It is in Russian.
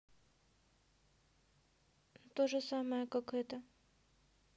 ну тоже самое как это